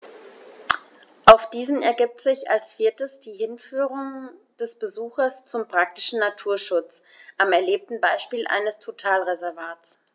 Aus diesen ergibt sich als viertes die Hinführung des Besuchers zum praktischen Naturschutz am erlebten Beispiel eines Totalreservats.